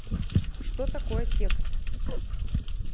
что такое текст